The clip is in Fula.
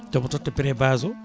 somo totta pré-base o